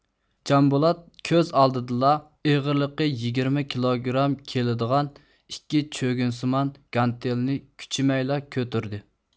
جامبۇلات كۆز ئالدىدىلا ئېغىرلىقى يىگىرمە كىلوگرام كېلىدىغان ئىككى چۆگۈنسىمان گانتېلنى كۈچىمەيلا كۆتۈردى